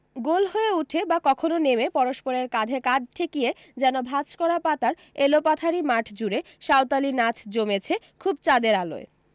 গোল হয়ে উঠে বা কখনো নেমে পরস্পরের কাঁধে কাঁধ ঠেকিয়ে যেন ভাঁজ করা পাতার এলোপাথারি মাঠজুড়ে সাঁওতালি নাচ জমেছে খুব চাঁদের আলোয়